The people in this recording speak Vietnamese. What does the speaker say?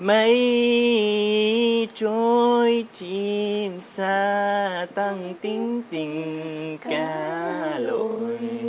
mây trôi chim sa tang tính tình cá lội